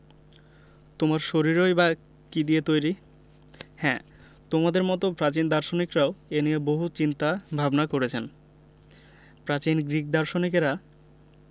তোমার শরীরই বা কী দিয়ে তৈরি হ্যাঁ তোমাদের মতো প্রাচীন দার্শনিকরাও এ নিয়ে বহু চিন্তা ভাবনা করেছেন প্রাচীন গ্রিক দার্শনিকেরা